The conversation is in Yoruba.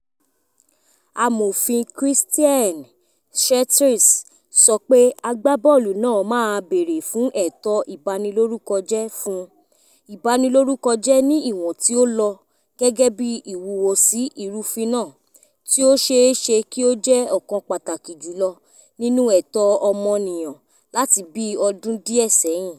Amòfin Christian Schertz sọ pé agbábọ́ọ̀lù náà máa bèèrè fún ẹ̀tọ́ ìbanilórúkọjẹ́ fún “ìbanilórúkọjẹ́ ní ìwọ̀n tí ó lọ gẹ́gẹ́bí ìwúwosí ìrúfin náà, tí ó ṣeéṣe kí ó jẹ́ ọ̀kan pàtàkì jùlọ nínú ẹ̀tọ́ ọmọnìyàn láti bí ọdún díẹ́ ṣẹ́yìn."